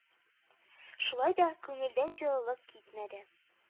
Шулай да күңелдән җылылык китмәде.